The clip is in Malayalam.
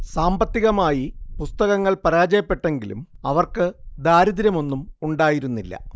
സാമ്പത്തികമായി പുസ്തകങ്ങൾ പരാജയപ്പെട്ടെങ്കിലും അവർക്ക് ദാരിദ്ര്യമൊന്നും ഉണ്ടായിരുന്നില്ല